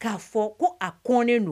K'a fɔ ko a kɔnnen don